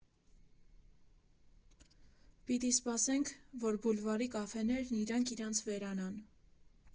Պիտի սպասենք, որ Բուլվարի կաֆեներն իրանք իրանց վերանան։